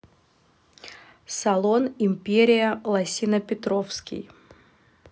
салон империя лосинопетровский